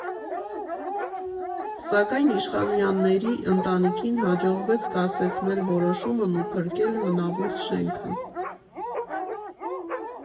Սակայն Իշխանյանների ընտանիքին հաջողվեց կասեցնել որոշումն ու փրկել հնավուրց շենքը։